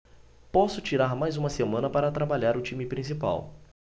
posso tirar mais uma semana para trabalhar o time principal